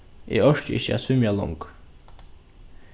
eg orki ikki at svimja longur